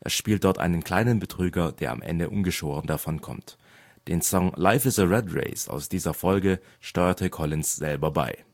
Er spielt dort einen kleinen Betrüger, der am Ende ungeschoren davonkommt. Den Song " Life is a rat race " aus dieser Folge steuerte Collins selber bei